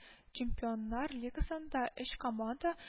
Чемпионнар Лигасында өч команда